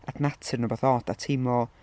at natur neu rywbeth od a teimlo...